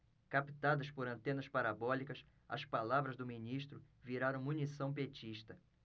captadas por antenas parabólicas as palavras do ministro viraram munição petista